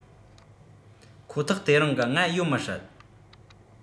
ཁོ ཐག དེ རིང གི ང ཡོད མི སྲིད